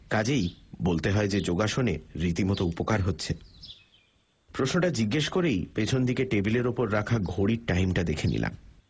কাজেই বলতে হয় যে যোগাসনে রীতিমতো উপকার হচ্ছে প্রশ্নটা জিজ্ঞেস করেই পিছন দিকে টেবিলের উপরে রাখা ঘড়ির টাইমটা দেখে নিলাম